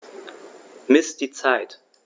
Miss die Zeit.